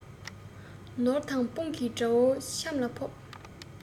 ནོར དང དཔུང གིས དགྲ བོ ཆམ ལ ཕོབ